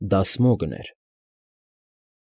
Դա Սմոգն էր։